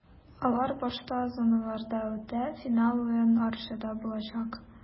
Алар башта зоналарда үтә, финал уен Арчада булачак.